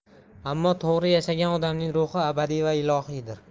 ammo to'g'ri yashagan odamning ruhi abadiy va ilohiydir